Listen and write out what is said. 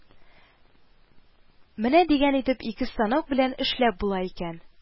Менә дигән итеп ике станок белән эшләп була икән